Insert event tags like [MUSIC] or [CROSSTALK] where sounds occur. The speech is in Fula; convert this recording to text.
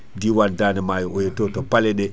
diwan Dande Maayo oyato to paaleɗe [SMACKS LIPS]